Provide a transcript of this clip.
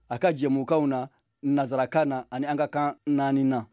a ka jɛmukanw na nansarakan na ani an ka kan naani na